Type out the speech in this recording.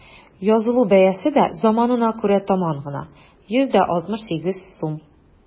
Язылу бәясе дә заманына күрә таман гына: 168 сум.